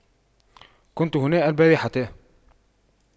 كنت هنا البارحة